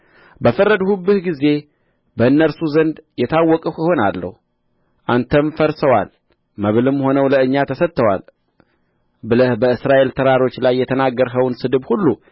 በፈረድሁብህም ጊዜ በእነርሱ ዘንድ የታወቅሁ እሆናለሁ አንተም ፈርሰዋል መብልም ሆነው ለእኛ ተሰጥተዋል ብለህ በእስራኤል ተራሮች ላይ የተናገርኸውን ስድብ ሁሉ